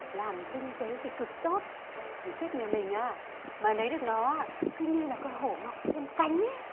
làm kinh tế thì cực tốt thằng quyết nhà mình á mà lấy được nó á cứ như là con hổ mọc thêm cánh í